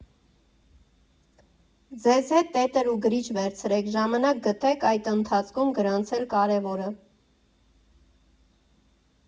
Ձեզ հետ տետր ու գրիչ վերցրեք, ժամանակ գտեք այդ ընթացքում գրանցել կարևորը։